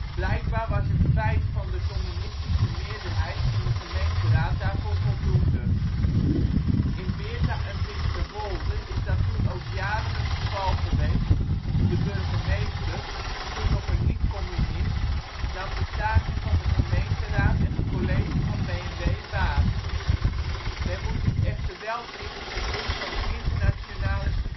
Blijkbaar was het feit van de communistische meerderheid in de gemeenteraad daarvoor voldoende. In Beerta en Finsterwolde is dat toen ook jaren het geval geweest, de burgemeester (toen nog een niet-communist) nam de taken van de gemeenteraad en het college van B & W waar. Men moet dit echter wel zien in het licht van de internationale